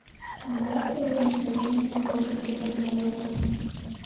дата возникновения города барнаула